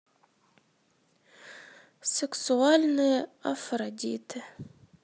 сексуальные афродиты